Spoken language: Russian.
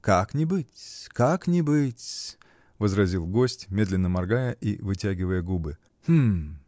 -- Как не быть-с, как не быть-с, -- возразил гость, медленно моргая и вытягивая губы. -- Гм!.